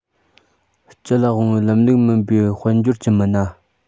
སྤྱི ལ དབང བའི ལམ ལུགས མིན པའི དཔལ འབྱོར གྱི མི སྣ